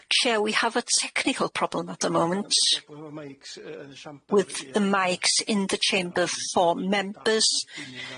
Chair, we have a technical problem at the moment, with the mics in the chamber for members.